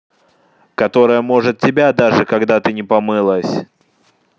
которая может тебя даже когда ты не помылась